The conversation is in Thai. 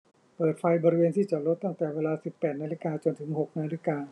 เปิดไฟบริเวณที่จอดรถตั้งแต่เวลาสิบแปดนาฬิกาจนถึงหกนาฬิกา